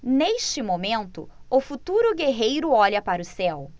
neste momento o futuro guerreiro olha para o céu